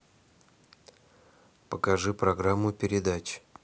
покажи программу передач